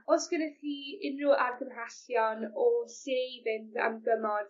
os gennych chi unryw argymhellion o lle fynd am gymorth?